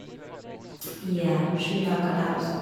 I sju dager der også.